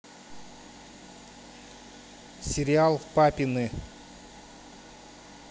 сериал папины